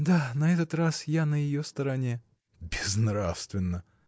— Да, на этот раз я на ее стороне. — Безнравственно!